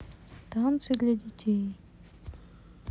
танцы для детей